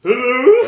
hello